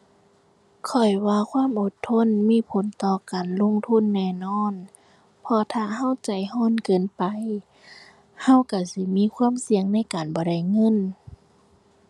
ข้อยว่าความอดทนมีผลต่อการลงทุนแน่นอน เพราะถ้าเราใจเราเกินไป เราเราสิมีความเสี่ยงในการบ่ได้เงิน